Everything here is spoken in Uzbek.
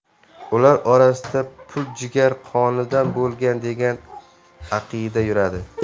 ular orasida pul jigar qonidan bo'lgan degan aqida yuradi